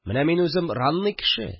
Менә мин үзем ранный кеше